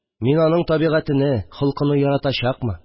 Мин аның табигатене, холкыны яратачакмы